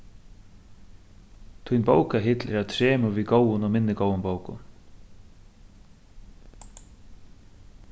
tín bókahill er á tremur við góðum og minni góðum bókum